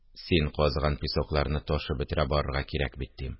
– син казыган песокларны ташып бетерә барырга кирәк бит, – дим